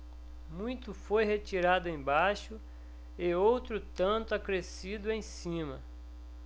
muito foi retirado embaixo e outro tanto acrescido em cima